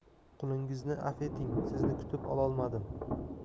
qulingizni avf eting sizni kutib ololmadim